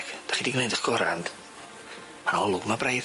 Dach chi di gwneud eich gorau ond ma na olwg ma' braidd.